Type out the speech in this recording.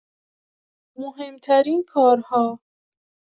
مهم‌ترین راهکارها